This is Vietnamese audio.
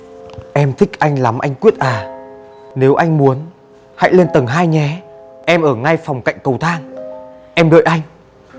em thích anh lắm anh quyết à nếu anh muốn hãy lên tầng hai nhé em ở ngay phòng cạnh cầu thang em đợi anh